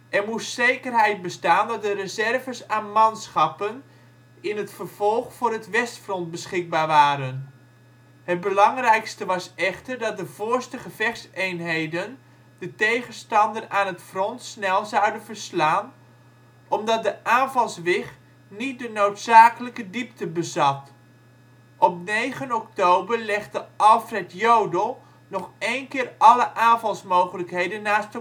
Er moest zekerheid bestaan dat de reserves aan manschappen in het vervolg voor het westfront beschikbaar waren. Het belangrijkste was echter dat de voorste gevechtseenheden de tegenstander aan het front snel zouden verslaan, omdat de aanvalswig niet de noodzakelijke diepte bezat. Op 9 oktober legde Alfred Jodl nog één keer alle aanvalsmogelijkheden naast